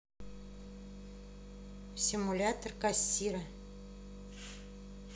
симулятор кассира